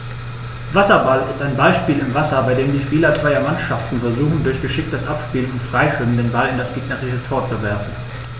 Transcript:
Wasserball ist ein Ballspiel im Wasser, bei dem die Spieler zweier Mannschaften versuchen, durch geschicktes Abspielen und Freischwimmen den Ball in das gegnerische Tor zu werfen.